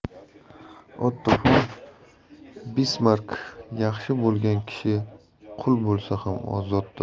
otto fon bismark yaxshi bo'lgan kishi qul bo'lsa ham ozoddir